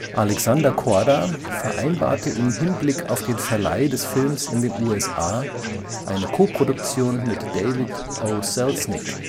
Alexander Korda vereinbarte in Hinblick auf den Verleih des Films in den USA eine Koproduktion mit David O. Selznick